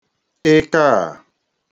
ịka à